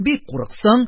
Бик курыксаң,